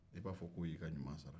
i b'a f'ɔ ko y'i ka ɲuman sara ye